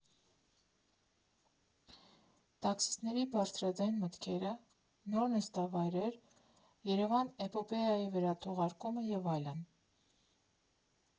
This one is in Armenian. Տաքսիստների բարձրաձայն մտքերը, նոր նստավայրեր, «Երևան» էպոպեայի վերաթողարկումը և այլն։